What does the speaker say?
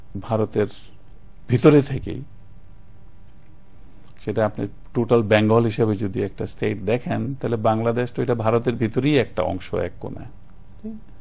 ভারতের ভিতরে থেকেই সেটা আপনি টোটাল বেঙ্গল হিসেবে যদি একটা স্টেট দেখেন তাহলে বাংলাদেশে তো এটা ভারতের ভিতরেই একটা অংশ এক কোনায়